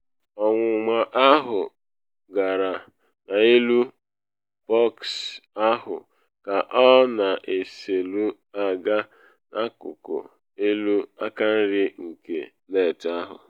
Ọnwụnwa ahụ gara n’elu bọksị ahụ ka ọ na eselụ aga n’akụkụ elu akanri nke net ahụ.